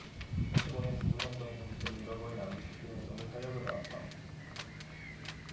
팔십 오 년 군부 정권이 종식된 후 잃어버린 아기 찾기 활동이 탄력을 받았다